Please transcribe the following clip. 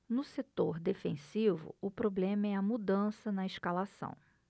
no setor defensivo o problema é a mudança na escalação